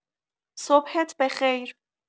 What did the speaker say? صبحت به خیر.